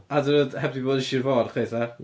A dydyn nhw heb 'di bod yn Sir Fôn chwaith na?